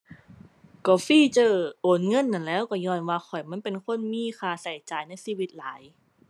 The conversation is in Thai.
ก็ฟีเจอร์โอนเงินนั้นแหล้ว ก็ญ้อนว่าข้อยมันเป็นคนมีค่าก็จ่ายในชีวิตหลาย